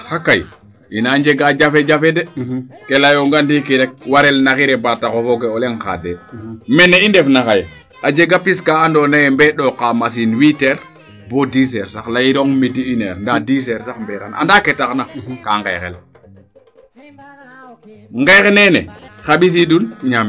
axa kay ina njega jafe jfae de ke leyoonga ndiiki rek warel naxire baa taxo fooge o leŋ xaade mene i ndef na xaye a jega pis kaa ando naye mbee ndoqa machine huit heure bo dix heure sax leyirong midi uen heure ndaa dix heure sax sax mberan andaa ke tax na kaa ngeexel ngeex neene xa mbisudun ñaamel